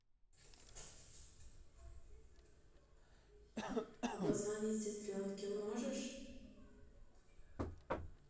а позвонить сестренке можешь